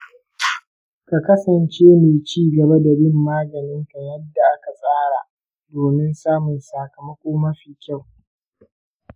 ka kasance mai ci gaba da bin maganinka yadda aka tsara domin samun sakamako mafi kyau.